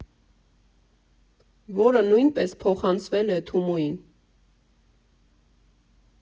Որը նույնպես փոխանցվել է Թումոյին։